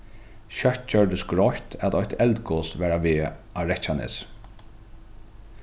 skjótt gjørdist greitt at eitt eldgos var á veg á reykjanesi